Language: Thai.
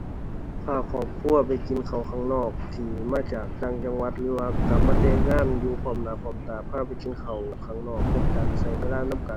พาครอบครัวไปกินข้าวข้างนอก ที่มาจากต่างจังหวัดหรือว่ากลับมาแต่เฮ็ดงานอยู่พร้อมหน้าพร้อมตา พาไปกินข้าวข้างนอกนำกัน ใช้เวลานำกัน